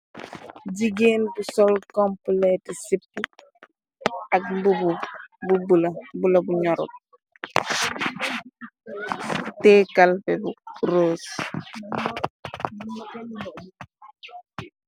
Jigeen bu sol komplaeti sipp ak mbubu bu bula bula bu ñyorut teyeh kalpeh bu ros.